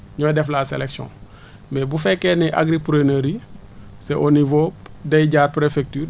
ñooy def la sellection mais bu fekkee ni agri preneurs yi c' est au niveau day jaar préfecture